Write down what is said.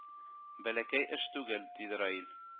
Бәләкәй эш түгел, диде раил